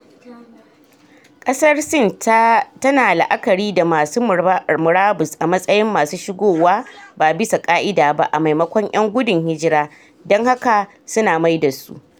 Kasar Sin ta na la'akari da masu murabus a matsayin masu shigowa ba bisa ka’ida ba a maimakon 'yan gudun hijira dan haka su na mai da su.